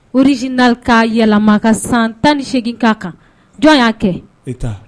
Wruzinari ka yɛlɛma ka san tan ni8egin'a kan jɔn y'a kɛ